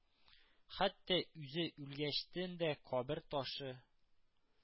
Хәтта үзе үлгәчтен дә кабер ташы